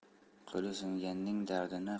qo'li singanning dardini